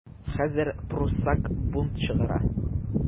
Хәзер пруссак бунт чыгара.